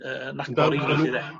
yy yy .